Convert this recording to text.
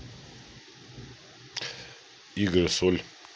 игры соль